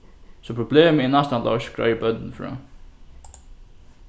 so problemið er næstan loyst greiðir bóndin frá